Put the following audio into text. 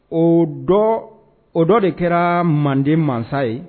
O dɔ o dɔ de kɛra manden masa ye